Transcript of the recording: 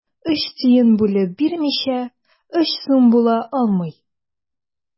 Өч тиен бүлеп бирмичә, өч сум була алмый.